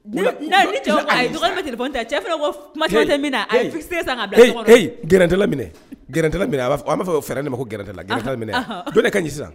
B'a o fɛɛrɛ ne ma ko gɛrɛla ne ka sisan